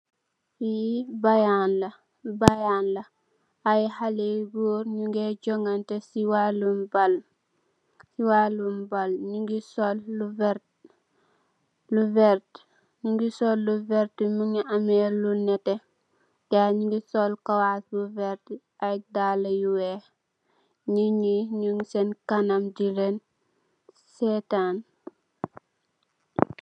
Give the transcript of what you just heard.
Fii bayaal lë, ay xalé goor yi ñu ngee taggat yaram si wallu bal. Ñu ngi sol lu werta, mu am lu nétté, gaayi ñu ngi sol kawaas yu werta, ak daalë yu weex .Ñii ñu ngi seen kanam, dileen seetan.